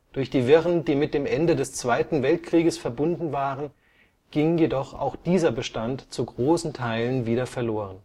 Durch die Wirren, die mit dem Ende des Zweiten Weltkrieges verbunden waren, ging jedoch auch dieser Bestand zu großen Teilen wieder verloren